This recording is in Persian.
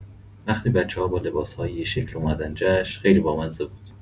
وقتی بچه‌ها با لباس‌های یه شکل اومدن جشن، خیلی بامزه بود.